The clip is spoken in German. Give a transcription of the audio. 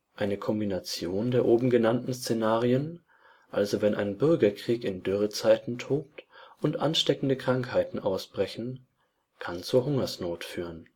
Eine Kombination der oben genannten Szenarien, also wenn ein Bürgerkrieg in Dürrezeiten tobt und ansteckende Krankheiten ausbrechen, kann zur Hungersnot führen